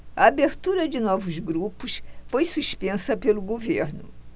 a abertura de novos grupos foi suspensa pelo governo